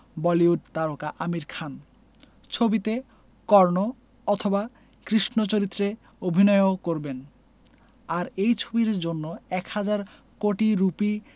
বলিউড তারকা আমির খান ছবিতে কর্ণ অথবা কৃষ্ণ চরিত্রে অভিনয়ও করবেন আর এই ছবির জন্য এক হাজার কোটি রুপি